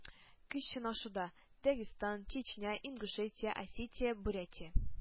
Көч сынашуда Дагестан, Чечня, Ингушетия, Осетия, Бурятия,